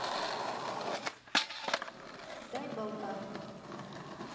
дай болтаем